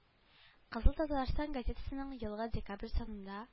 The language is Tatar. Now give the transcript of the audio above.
Кызыл татарстан газетасының елгы декабрь санында